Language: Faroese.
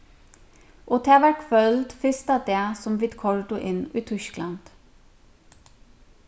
og tað varð kvøld fyrsta dag sum vit koyrdu inn í týskland